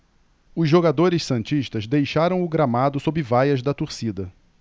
os jogadores santistas deixaram o gramado sob vaias da torcida